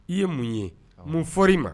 I ye mun ye mun fɔ i ma